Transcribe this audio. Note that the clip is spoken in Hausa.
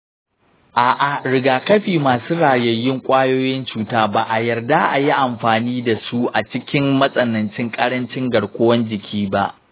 a’a, rigakafi masu rayayyun ƙwayoyin cuta ba a yarda a yi amfani da su a cikin matsanancin ƙarancin garkuwar jiki ba.